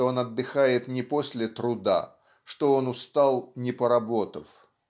что он отдыхает не после труда что он устал не поработав.